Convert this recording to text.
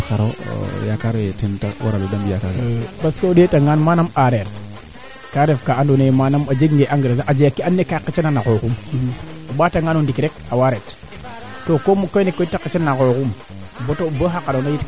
ok boo ndiik no choix feen poarcelle ke parce que o ndeeta ngaan des fois andim ndax wiin we jamba qooqa ley katel ndaa no jamano feeke ga i ndet boo xa pina xe ando naye gaa ngen elo yo